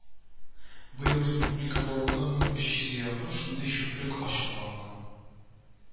Быел республикада барлыгы мең өч йөзгә якын шундый чүплек ачыкланган